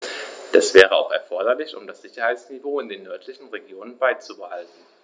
Das wäre auch erforderlich, um das Sicherheitsniveau in den nördlichen Regionen beizubehalten.